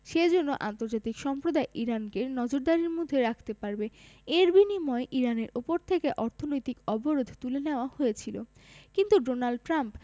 সে জন্য আন্তর্জাতিক সম্প্রদায় ইরানকে নজরদারির মধ্যে রাখতে পারবে এর বিনিময়ে ইরানের ওপর থেকে অর্থনৈতিক অবরোধ তুলে নেওয়া হয়েছিল কিন্তু ডোনাল্ড ট্রাম্প